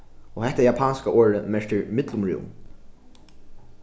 og hetta japanska orðið merkir millumrúm